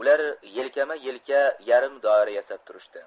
ular yelkama elka yarim do'lra yasab turishdi